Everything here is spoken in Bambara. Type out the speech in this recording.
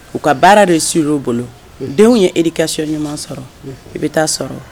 U ka baara reussi u bolo ; denw ye education ɲuman sɔrɔ, unhun, i bɛ taa sɔrɔ